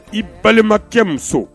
I balimakɛ muso.